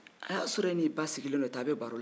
a y'a sɔrɔ e n'i ba sigilen don tan a bɛ baro la